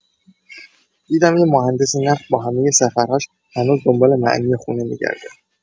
دیدم یه مهندس نفت، با همۀ سفرهاش، هنوز دنبال معنی خونه می‌گرده.